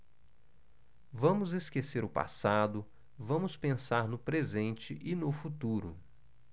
vamos esquecer o passado vamos pensar no presente e no futuro